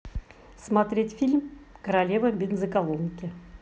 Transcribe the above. смотреть фильм королева бензоколонки